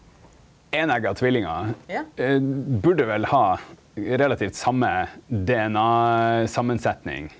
einegga tvillingar burde vel ha relativt same DNA-samansetning?